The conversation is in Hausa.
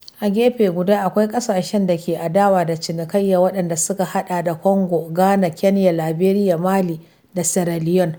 A gefe guda akwai ƙasashen da ke adawa da cinikayya, waɗanda suka haɗa da Kongo, Ghana, Kenya, Liberia, Mali da Sierra Leone.